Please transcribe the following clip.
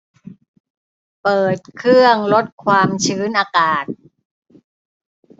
เปิดเครื่องลดความชื้นอากาศ